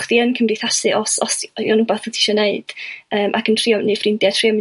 chdi yn cymdeithasu os, os ydi o'n rwbath tisio 'neud ymm ag yn trio g'neud ffrindia' trio mynd